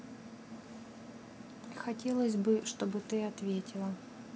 хотелось бы чтоб ты ответила